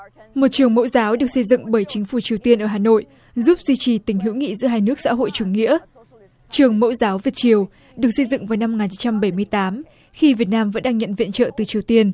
một trường mẫu giáo được xây dựng bởi chính phủ triều tiên ở hà nội giúp duy trì tình hữu nghị giữa hai nước xã hội chủ nghĩa trường mẫu giáo việt triều được xây dựng vào năm một ngàn chín trăm bảy mươi tám khi việt nam vẫn đang nhận viện trợ từ triều tiên